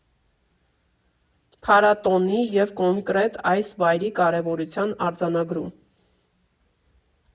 Փառատոնի և կոնկրետ այս վայրի կարևորության արձանագրում.